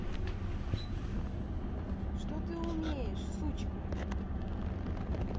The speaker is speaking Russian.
что ты умеешь сучка